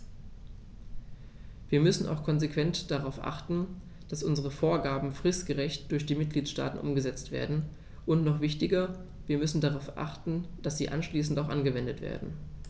Wir müssen auch konsequent darauf achten, dass unsere Vorgaben fristgerecht durch die Mitgliedstaaten umgesetzt werden, und noch wichtiger, wir müssen darauf achten, dass sie anschließend auch angewendet werden.